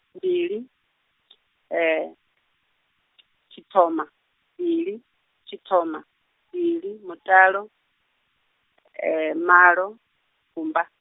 mbili, tshithoma mbili, tshithoma mbili mutalo, malo, gumba.